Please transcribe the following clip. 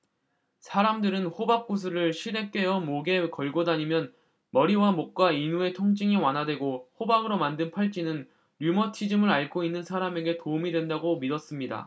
사람들은 호박 구슬을 실에 꿰어 목에 걸고 다니면 머리와 목과 인후의 통증이 완화되고 호박으로 만든 팔찌는 류머티즘을 앓고 있는 사람들에게 도움이 된다고 믿었습니다